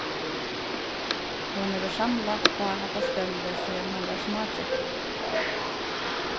hon hevur samlað upp á hatta stellið síðan hon var smágenta